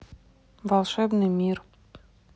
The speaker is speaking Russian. волшебный мир